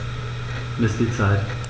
Miss die Zeit.